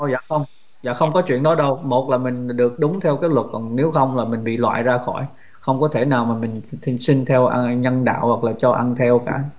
dạ không không có chuyện đó đâu một là mình đúng theo cái luật còn nếu không là mình bị loại ra khỏi không có thể nào mà mình thường sinh theo nhân đạo hoặc là cho ăn theo cả